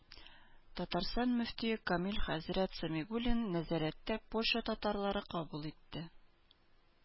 Татарстан мөфтие Камил хәзрәт Сәмигуллин нәзәрәттә Польша татарлары кабул итте.